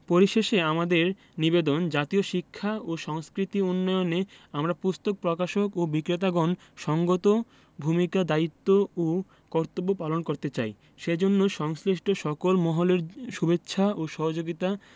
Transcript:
পরিশেষে আমাদের নিবেদন জাতীয় শিক্ষা ও সংস্কৃতি উন্নয়নে আমরা পুস্তক প্রকাশক ও বিক্রেতাগণ সঙ্গত ভূমিকা দায়িত্ব ও কর্তব্য পালন করতে চাই সেজন্য সংশ্লিষ্ট সকল মহলের শুভেচ্ছা ও সহযোগিতা